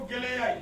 Gɛlɛya yya ye